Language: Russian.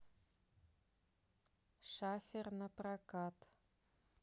шафер напрокат